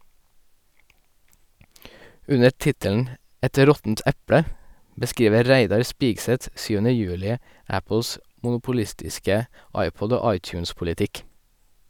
Under tittelen "Et råttent eple" beskriver Reidar Spigseth 7. juli Apples monopolistiske iPod- og iTunes-politikk.